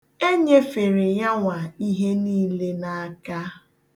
E nyefere yanwa ihe niile n'aka.